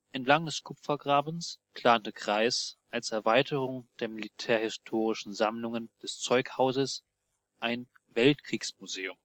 Entlang des Kupfergrabens plante Kreis als Erweiterung der militärhistorischen Sammlungen des Zeughauses ein „ Weltkriegsmuseum